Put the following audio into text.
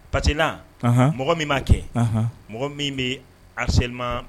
Patiina mɔgɔ min b'a kɛ mɔgɔ min bɛ asema